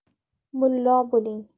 mullo bo'ling